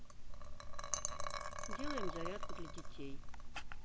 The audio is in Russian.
делаем зарядку для детей